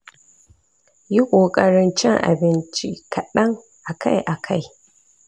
yi kokarin cin abinci kaɗan akai-akai